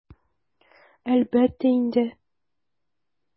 Әлбәттә инде!